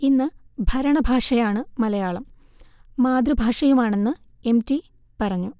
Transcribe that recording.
ഇന്ന്ഭരണഭാഷയാണ് മലയാളം, മാതൃഭാഷയുമാണെന്ന് M T പറഞ്ഞു